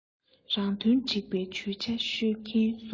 རང དོན སྒྲིག པའི ཇུས ཆ ཤོད ཀྱིན སོང